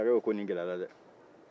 masakɛ ko ko nin gɛlɛyala dɛɛ